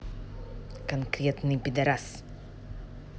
конкретный пидарас